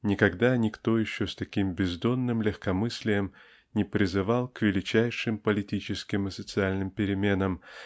Никогда никто еще с таким бездонным легкомыслием не призывал к величайшим политическим и социальным переменам